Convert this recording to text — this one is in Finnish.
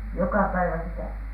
joka päivä sitä